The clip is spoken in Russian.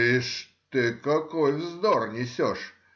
— Ишь ты какой вздор несешь!